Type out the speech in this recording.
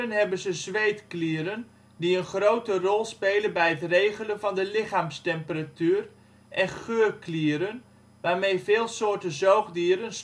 hebben ze zweetklieren, die een rol spelen bij het regelen van de lichaamstemperatuur, en geurklieren, waarmee veel soorten zoogdieren